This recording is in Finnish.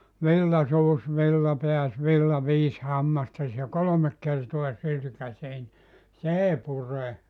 villa suusi villa pääsi villa viisi hammastasi ja kolme kertaa sylkäisee niin se ei pure